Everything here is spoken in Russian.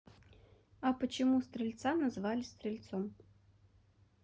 а почему стрельца назвали стрельцом